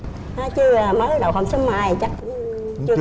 chưa à mới đầu hôm sớm mai chắc cũng chưa